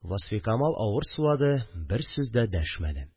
Васфикамал авыр сулады, бер сүз дә дәшмәде